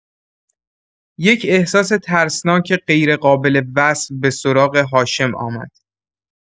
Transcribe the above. یک احساس ترسناک غیرقابل وصف به‌سراغ هاشم آمد.